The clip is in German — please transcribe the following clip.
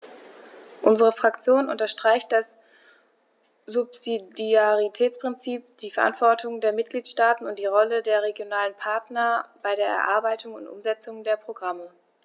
Unsere Fraktion unterstreicht das Subsidiaritätsprinzip, die Verantwortung der Mitgliedstaaten und die Rolle der regionalen Partner bei der Erarbeitung und Umsetzung der Programme.